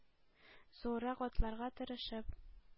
Зуррак атларга тырышып